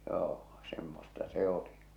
joo semmoista se oli